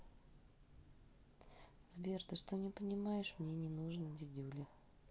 сбер ты что не понимаешь мне не нужен дидюля